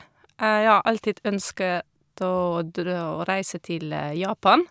Jeg har alltid ønsket å dra å reise til Japan.